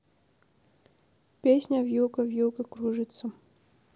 песня вьюга вьюга кружится